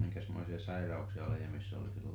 minkäsmoisia sairauksia lehmissä oli silloin